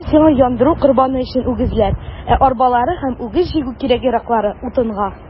Менә сиңа яндыру корбаны өчен үгезләр, ә арбалары һәм үгез җигү кирәк-яраклары - утынга.